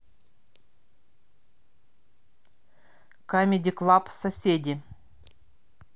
камеди клаб соседи